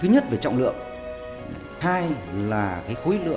thứ nhất về trọng lượng hai là cái khối lượng